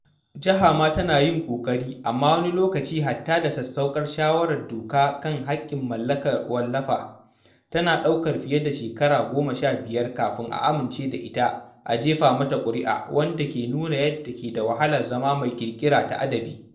Jiha ma tana yin ƙoƙari, amma wani lokacin hatta da sassauƙar shawarar doka kan haƙƙin mallakar wallafa tana ɗaukar fiye da shekaru 15 kafin a amince da ita a jefa mata ƙuri’a, wanda ke nuna yadda yake da wahala zama mai ƙirƙira taa adabi.